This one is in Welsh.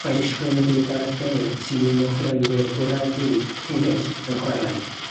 Mae disgwyl y bydd Gareth Bale, sy'n un o chwaraewyr gorau'r byd, hefyd yn chwarae.